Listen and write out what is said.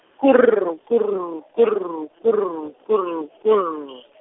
kurr, kurr, kurr, kurr, kurr, kurr.